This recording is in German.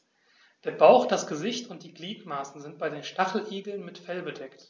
Der Bauch, das Gesicht und die Gliedmaßen sind bei den Stacheligeln mit Fell bedeckt.